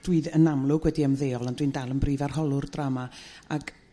Dwi d- yn amlwg wedi ymddeol ond dwi'n dal yn brif arholwr drama ag